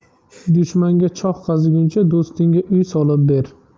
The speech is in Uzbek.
dushmanga choh qaziguncha do'stingga uy solib ber